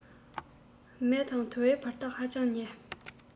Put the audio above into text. མེ དང དུ བའི བར ཐག ཧ ཅང ཉེ